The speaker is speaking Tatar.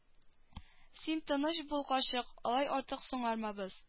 Син тыныч бул карчык алай артык соңгармабыз